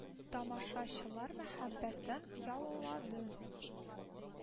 Тамашачылар мәхәббәтен яулады